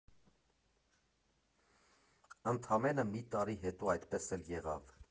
Ընդամենը մի տարի հետո այդպես էլ եղավ։